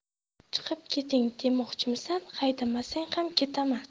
chiqib keting demoqchimisan haydamasang ham ketaman